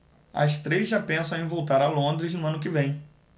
as três já pensam em voltar a londres no ano que vem